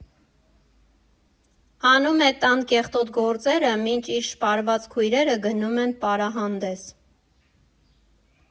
Անում է տան կեղտոտ գործերը, մինչ իր շպարված քույրերը գնում են պարահանդես։